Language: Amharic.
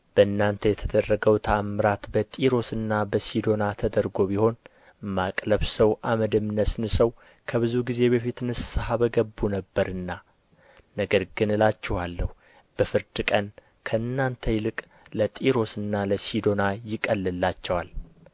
በእናንተ የተደረገው ተአምራት በጢሮስና በሲዶና ተደርጎ ቢሆን ማቅ ለብሰው አመድም ነስንሰው ከብዙ ጊዜ በፊት ንስሐ በገቡ ነበርና ነገር ግን እላችኋለሁ በፍርድ ቀን ከእናንተ ይልቅ ለጢሮስና ለሲዶና ይቀልላቸዋል